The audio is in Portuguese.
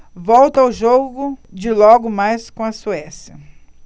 volto ao jogo de logo mais com a suécia